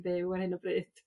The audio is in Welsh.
byw ar hyn o bryd.